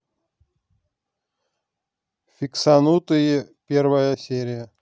фиксанутые первая серия